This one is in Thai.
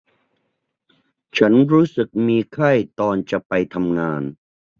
ฉันรู้สึกมีไข้ตอนจะไปทำงาน